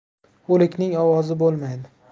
o'likning ovozi bo'lmaydi